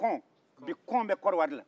kɔn bi kɔn be kɔnɔ wari len